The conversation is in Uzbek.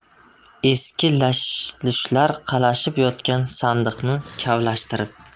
eski lash lushlar qalashib yotgan sandiqni kavlashtirib